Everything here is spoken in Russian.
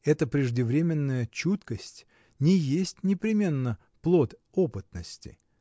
Эта преждевременная чуткость не есть непременно плод опытности.